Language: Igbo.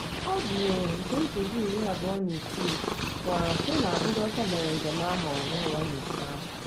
Odiyo nke nkeji 26 kọọrọ sị na ndị ọcha mere nje ahụ n'ụlọ nnyocha.